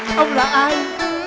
ông là ai